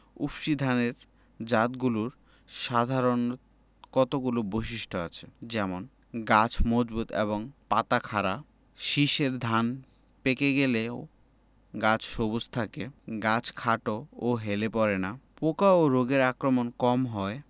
উফশী ধানের জাতগুলোর সাধারণ কতগুলো বৈশিষ্ট্য থাকে যেমন গাছ মজবুত এবং পাতা খাড়া শীষের ধান পেকে গেলেও গাছ সবুজ থাকে গাছ খাটো ও হেলে পড়ে না পোকা ও রোগের আক্রমণ কম হয়